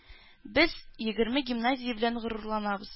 Без егерме гимназия белән горурланабыз